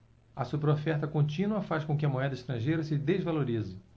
a superoferta contínua faz com que a moeda estrangeira se desvalorize